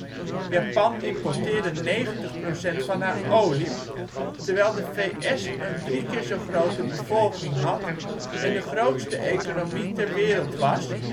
importeerde 90 % van haar olie), terwijl de VS een drie keer zo grote bevolking had en de grootste economie ter wereld was